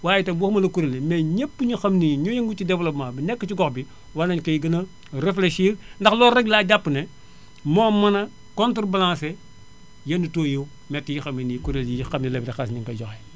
waaye itam waxumala kuréel yi mais ñëpp ñoo xam ne nii ñooy yëngu ci développement bi nekk ci gox bi war naénu cee gën a réfléchir ndax loolu reg laa jàpp ne moo mën a contre balancer yenn taux yu métti yi nga xam ne nii kuréel yii xam ne leble xaalis ñu ngi koy joxe